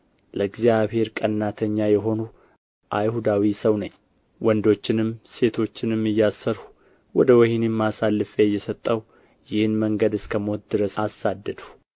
ለእግዚአብሔር ቀናተኛ የሆንሁ አይሁዳዊ ሰው ነኝ ወንዶችንም ሴቶችንም እያሰርሁ ወደ ወኅኒም አሳልፌ እየሰጠሁ ይህን መንገድ እስከ ሞት ድረስ አሳደድሁ